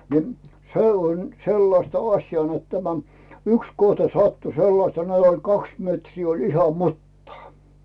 niin se on sellaista asiaa että tämä yksi kohta sattui sellaista ne oli kaksi metriä oli ihan mutaa